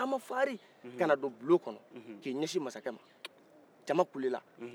unhun a ko masakɛ unhun